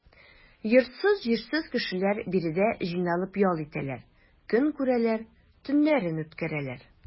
Йортсыз-җирсез кешеләр биредә җыйналып ял итәләр, көн күрәләр, төннәрен үткәрәләр.